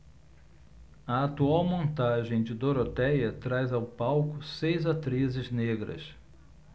a atual montagem de dorotéia traz ao palco seis atrizes negras